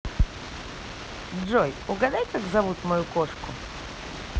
джой угадай как зовут мою кошку